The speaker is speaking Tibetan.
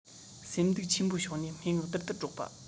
སེམས སྡུག ཆེན པོ བྱུང ནས སྨྲེ སྔགས དིར དིར སྒྲོག པ